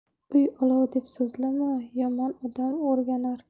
uy ovloq deb so'zlama yomon odam o'rganar